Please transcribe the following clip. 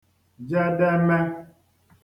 jedeme